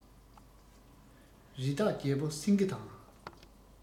རི དྭགས རྒྱལ པོ སེང གེ དང